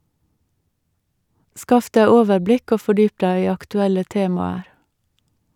Skaff deg overblikk, og fordyp deg i aktuelle temaer.